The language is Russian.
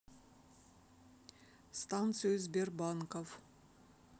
станцию сбербанков